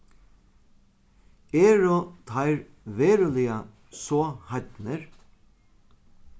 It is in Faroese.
eru teir veruliga so heidnir